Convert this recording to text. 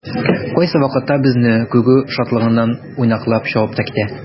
Кайсы вакытта безне күрү шатлыгыннан уйнаклап чабып та китә.